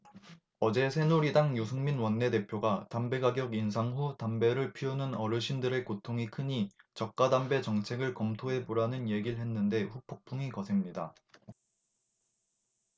어제 새누리당 유승민 원내대표가 담배가격 인상 후 담배를 피우는 어르신들의 고통이 크니 저가담배 정책을 검토해보라는 얘길 했는데 후폭풍이 거셉니다